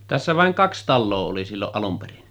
Tässä vain kaksi taloa oli silloin alunperin